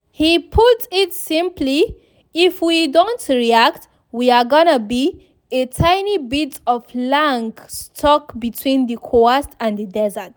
He puts it simply: “If we don't react, we are gonna be a tiny bit of land stuck between the coast and the desert.”